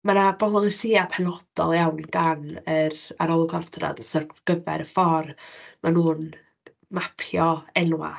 Mae 'na bolisïau penodol iawn gan yr arolwg ordnans ar gyfer y ffordd maen nhw'n mapio enwau.